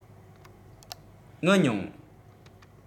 ངུ མྱོང